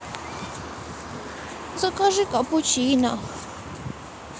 закажи капучино